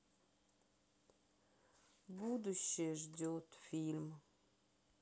будущее ждет фильм